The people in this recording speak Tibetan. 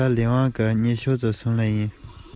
དྲི བ དེ ཚོའི དྲིས ལན རྙེད པའི